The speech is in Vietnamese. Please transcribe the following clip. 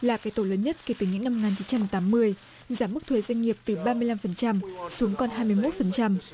là cải tổ lớn nhất kể từ những năm một nghìn chín trăm tám mươi giảm mức thuế doanh nghiệp từ ba mươi lăm phần trăm xuống còn hai mươi mốt phần trăm